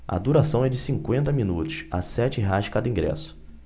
a duração é de cinquenta minutos a sete reais cada ingresso